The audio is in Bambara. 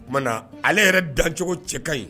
O tuma na ale yɛrɛ dancogo cɛ ka ɲi